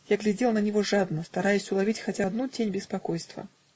я глядел на него жадно, стараясь уловить хотя одну тень беспокойства.